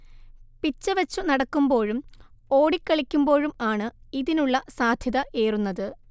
പിച്ചവച്ചു നടക്കുമ്പോഴും ഓടിക്കളിക്കുമ്പോഴും ആണ് ഇതിനുള്ള സാധ്യത ഏറുന്നത്